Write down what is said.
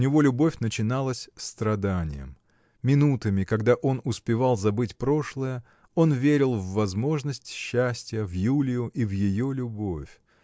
у него любовь начиналась страданием. Минутами когда он успевал забыть прошлое он верил в возможность счастья в Юлию и в ее любовь.